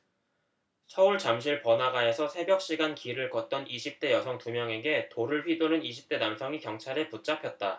서울 잠실 번화가에서 새벽 시간 길을 걷던 이십 대 여성 두 명에게 돌을 휘두른 이십 대 남성이 경찰에 붙잡혔다